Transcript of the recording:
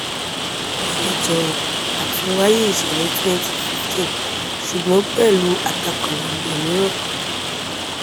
Ó fẹ́ jọ àtúnwáyé ìṣẹ̀lẹ̀ 2015 ṣùgbọ́n pẹ̀lú atakànàngbọ̀n mìíràn.